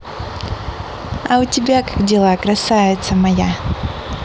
а у тебя как дела красавица моя